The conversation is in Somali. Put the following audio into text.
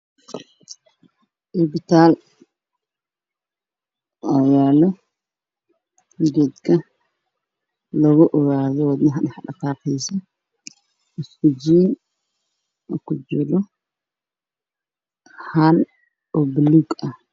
Iabitaal oo yaalo geedka lagubogaado wadnaha dhaqdhaqaaqiisa